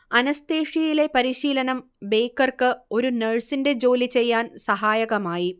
അനസ്തേഷ്യയിലെ പരിശീലനം ബേക്കർക്ക് ഒരു നഴ്സിന്റെ ജോലി ചെയ്യാൻ സഹായകമായി